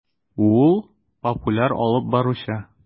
Ул - популяр алып баручы.